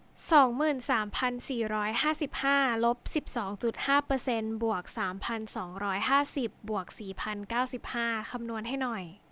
สองหมื่นสามพันสี่ร้อยห้าสิบห้าลบสิบสองจุดห้าเปอร์เซนต์บวกสามพันสองร้อยห้าสิบบวกสี่พันเก้าสิบห้าคำนวณให้หน่อย